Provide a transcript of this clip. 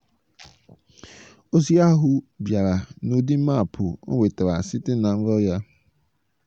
Ozi ahụ bịara n'ụdị maapụ o nwetara site na nrọ ya.